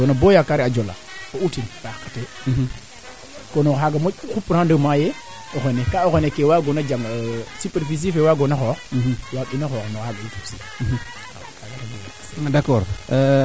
caxaan yaqiran so naaga yaqta laŋ koy fat wiin we moytu puus ke kam xa qola xe gisin sax gas bata xoond o fokatin uupin ma sax ten moƴ wala o doxin o doxole koy